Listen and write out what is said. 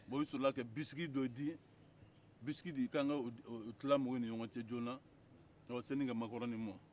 bon u sɔrɔ la ka bisiki dɔ di k'an k'o tila mɔgɔw ni ɲɔgɔn cɛ joona sanni ka makarɔni mɔ